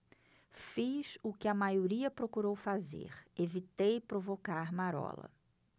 fiz o que a maioria procurou fazer evitei provocar marola